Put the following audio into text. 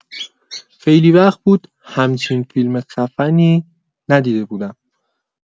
خیلی وقت بود همچین فیلم خفنی ندیده بودم!